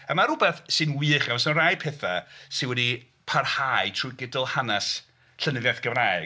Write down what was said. A ma' rywbeth sy'n wych iawn, so ma' rai petha sy wedi parhau trwy gydol hanes llenyddiaeth Gymraeg.